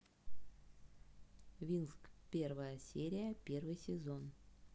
винкс первая серия первый сезон